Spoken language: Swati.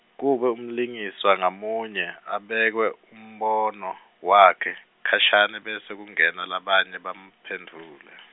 kube umlingiswa ngamunye abeke umbono, wakhe khashane bese kungena labanye bamphendvule.